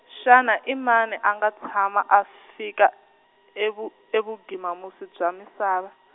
xana i mani a nga tshama a fika evu- evugima musi bya misava?